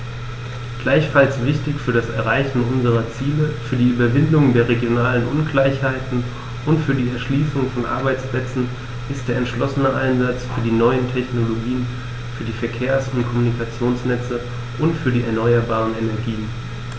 Gleichfalls wichtig für das Erreichen unserer Ziele, für die Überwindung der regionalen Ungleichheiten und für die Erschließung von Arbeitsplätzen ist der entschlossene Einsatz für die neuen Technologien, für die Verkehrs- und Kommunikationsnetze und für die erneuerbaren Energien.